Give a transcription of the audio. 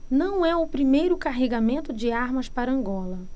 não é o primeiro carregamento de armas para angola